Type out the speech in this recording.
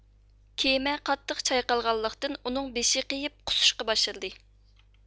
كېمە قاتتىق چايقالغانلىقتىن ئۇنىڭ بېشى قېيىپ قۇسۇشقا باشلىدى